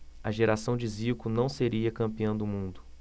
a geração de zico não seria campeã do mundo